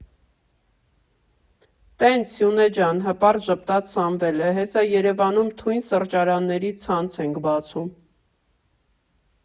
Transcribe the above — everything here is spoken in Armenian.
֊ Տենց, Սյունե ջան, ֊ հպարտ ժպտաց Սամվելը, ֊ հեսա Երևանում թույն սրճարանների ցանց ենք բացում։